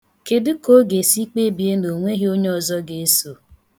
Kedu ka ọ ga-esi kebie na onweghi onye ọzọ ga-eso?